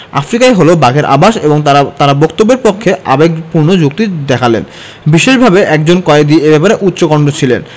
আফ্রিকাই হলো বাঘের আবাস এবং তারা বক্তব্যের পক্ষে আবেগপূর্ণ যুক্তি দেখালেন বিশেষভাবে একজন কয়েদি এ ব্যাপারে উচ্চকণ্ঠ ছিলেন